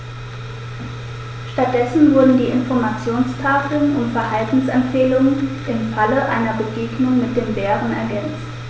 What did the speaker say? Stattdessen wurden die Informationstafeln um Verhaltensempfehlungen im Falle einer Begegnung mit dem Bären ergänzt.